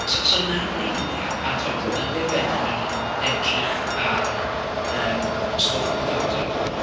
So so 'na le 'y ni a a timod... m-hm. ....'na le wedyn o'n i'n edrych ar stwff wel timod...